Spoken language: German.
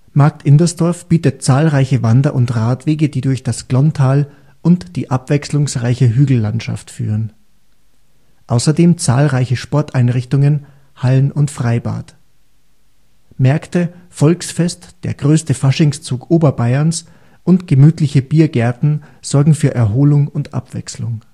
Markt Indersdorf bietet zahlreiche Wander - und Radwege, die durch das Glonntal und die abwechslungsreiche Hügellandschaft führen. Außerdem zahlreiche Sporteinrichtungen, Hallen - und Freibad, Märkte, Volksfest, der größte Faschingszug Oberbayerns und gemütliche Biergärten sorgen für Erholung und Abwechslung